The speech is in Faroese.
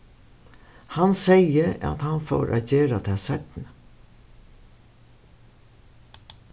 hann segði at hann fór at gera tað seinni